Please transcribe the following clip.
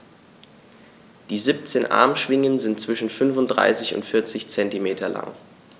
Die 17 Armschwingen sind zwischen 35 und 40 cm lang.